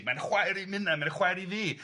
Mae'n chwaer i minnau, mae'n chwaer i fi.